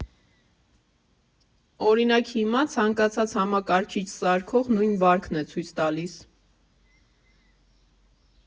Օրինակ, հիմա ցանկացած համակարգիչ սարքող նույն վարքն է ցույց տալիս.